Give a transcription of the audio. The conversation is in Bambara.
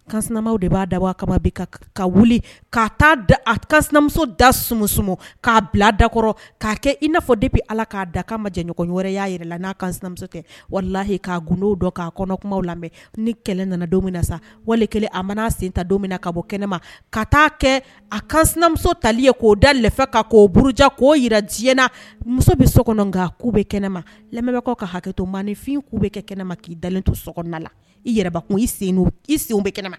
Kanma de b'a dabɔ kaba bɛ ka wuli ka amuso da ss k'a bila dakɔrɔ k'a kɛ i'a fɔ de bɛ ala k'a da ma jɛɲɔgɔn wɛrɛ y'a yɛrɛ la n'a kan sinamuso kɛ walayi k'a gundo dɔ k'a kɔnɔ kuma lamɛn ni kɛlɛ nana don min na sa wali a mana senta don min na ka bɔ kɛnɛma kaa kɛ a kanmuso tali k'o dafɛ ka k'o burujan k'o jira diɲɛɲɛna muso bɛ so kɔnɔ nka k'u bɛ kɛnɛma lamɛnbagawkaw ka hakɛ to ma nifin k'u bɛ kɛ kɛnɛma k'i dalen to so la i yɛrɛ kun i sen i sen bɛ kɛnɛma